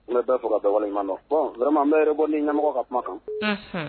N bɛ da sɔrɔ a waleɲuman na yɛrɛ n bɛ yɛrɛ bɔ ni ɲɛmɔgɔ ka kuma kan